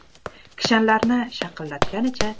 kishanlarni sharaqlatgancha